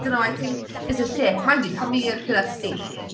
I dunno, I think it's a shift. Mind you pan fi yn gyda chdi...